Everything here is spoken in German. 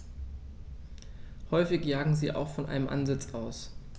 Häufig jagen sie auch von einem Ansitz aus.